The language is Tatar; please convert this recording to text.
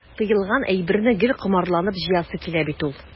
Тыелган әйберне гел комарланып җыясы килә бит ул.